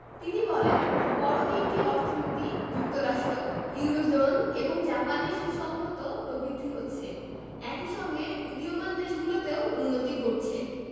তিনি বলেন বড় তিনটি অর্থনীতি যুক্তরাষ্ট্র ইউরোজোন এবং জাপানের সুসংহত প্রবৃদ্ধি হচ্ছে একই সঙ্গে উদীয়মান দেশগুলোতেও উন্নতি ঘটছে